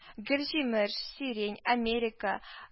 Гөлҗимеш, сирень, америка